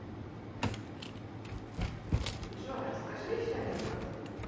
джой расскажи еще анекдот